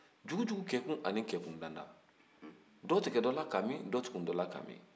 jugujugu kɛkun ani kɛkun dandan dɔ tigɛ dɔ la kami dɔ tugu dɔ la kami